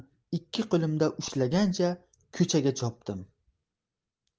qo'limda ushlagancha ko'chaga chopdim